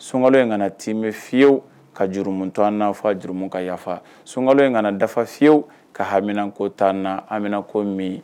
Suŋalo in ŋana tiimɛ fiyew ka jurumu to an na f'a jurumu ka yafa suŋalo in ŋana dafa fiyew ka haminako t'an na haminako min